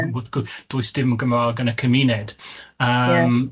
...ac wrth gwrs does dim Gymrag yn y cymuned yym... Ie.